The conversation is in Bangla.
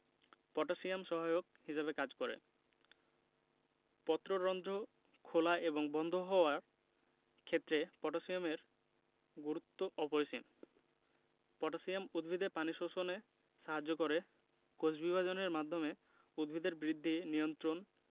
পটাশিয়াম সহায়ক হিসেবে কাজ করে পত্ররন্ধ্র খেলা এবং বন্ধ হওয়ার ক্ষেত্রে পটাশিয়ামের গুরুত্ব অপরিসীম পটাশিয়াম উদ্ভিদে পানি শোষণে সাহায্য করে কোষবিভাজনের মাধ্যমে উদ্ভিদের বৃদ্ধি নিয়ন্ত্রণ